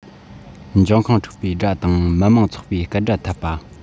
འབྱུང བ འཁྲུགས པའི སྒྲ དང མི མང འཚོགས པའི སྐད སྒྲ འཐབ པ